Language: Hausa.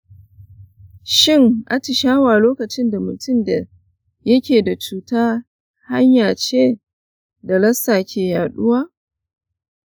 shin atishawa lokacin da mutum yake da cuta hanya ce da lassa ke yaduwa?